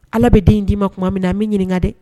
Ala bɛ den n d'i ma tuma min na a min ɲininkaka dɛ